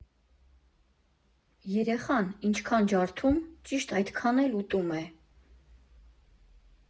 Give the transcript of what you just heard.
Երեխան ինչքան ջարդում, ճիշտ այդքան էլ ուտում է։